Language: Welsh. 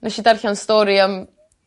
nesh i darllan stori am